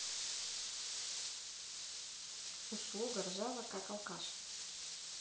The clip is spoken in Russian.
услуга ржала как алкаш